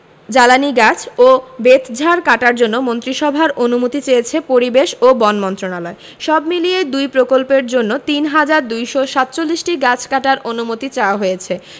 জ্বালানি গাছ ও বেতঝাড় কাটার জন্য মন্ত্রিসভার অনুমতি চেয়েছে পরিবেশ ও বন মন্ত্রণালয় সবমিলিয়ে দুই প্রকল্পের জন্য ৩হাজার ২৪৭টি গাছ কাটার অনুমতি চাওয়া হয়েছে